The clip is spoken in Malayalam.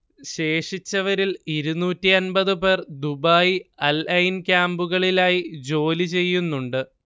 ശേഷിച്ചവരിൽ ഇരുന്നൂറ്റിഅൻപത് പേർ ദുബായ്, അൽ-ഐൻ ക്യാംപുകളിലായി ജോലി ചെയ്യുന്നുണ്ട്